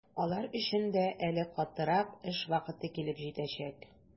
Алар өчен дә әле катырак эш вакыты килеп җитәчәк.